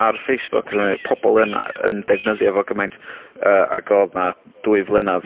ar Facebook cymryd pobol yna yn defnyddio fo gymaint yy ag odd 'na dwy flynadd